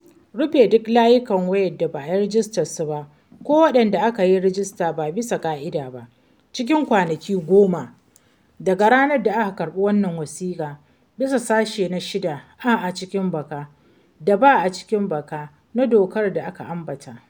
1-Rufe duk layukan wayar da ba a yi rajistan su ba ko waɗanda aka yi rajista ba bisa ƙa’ida ba cikin kwanaki 10 daga ranar da aka karɓi wannan wasiƙa, bisa ga Sashe na 6 (a) da (b) na Dokar da aka ambata.